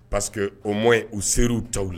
Parce que o mɔ u se u ta la